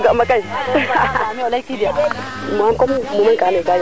nda kene daal wañe teen dara